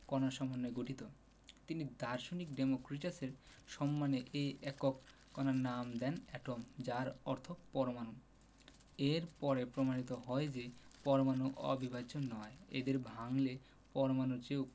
কণার সমন্বয়ে গঠিত তিনি দার্শনিক ডেমোক্রিটাসের সম্মানে এ একক কণার নাম দেন এটম যার অর্থ পরমাণু এর পরে প্রমাণিত হয় যে পরমাণু অবিভাজ্য নয় এদের ভাঙলে পরমাণুর চেয়েও